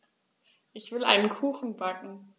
Ich will einen Kuchen backen.